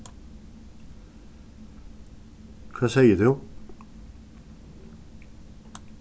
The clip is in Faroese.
hvat segði tú